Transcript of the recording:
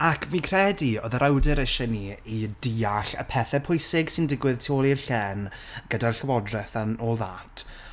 Ac fi'n credu oedd yr awdur isie ni i deall y pethe pwysig sy'n digwydd tu ôl i'r llen, gyda'r llywodraeth and all that.